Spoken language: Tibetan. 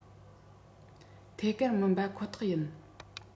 ཐད ཀར མིན པ ཁོ ཐག ཡིན